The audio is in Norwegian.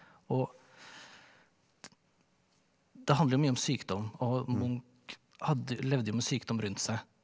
og det handler jo mye om sykdom og Munch levde jo med sykdom rundt seg.